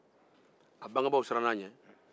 a bangebaa siranna a ɲɛ